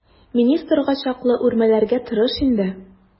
Министрга чаклы үрмәләргә тырыш инде.